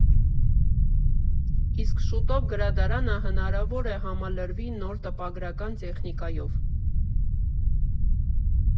Իսկ շուտով Գրադարանը հնարավոր է համալրվի նոր տպագրական տեխնիկայով։